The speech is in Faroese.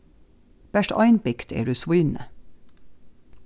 bert ein bygd er í svínoy